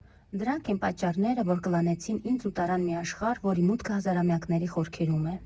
Դրանք են պատճառները, որ կլանեցին ինձ ու տարան մի աշխարհ, որի մուտքը հազարամյակների խորքերում է։